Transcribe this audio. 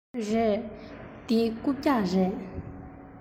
རེད འདི རྐུབ བཀྱག རེད